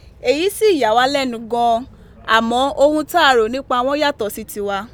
Èyí sì yà wá lẹ́nu gan an, àmọ́ ohun tá a rò nípa wọn yàtọ̀ sí tiwa.